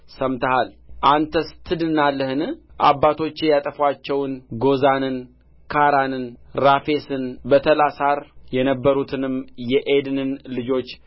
ሰምተሃል አንተስ ትድናለህን አባቶቼ ያጠፉአቸውን ጎዛንን ካራንን ራፊስን በተላሳር የነበሩትንም የዔድንን ልጆች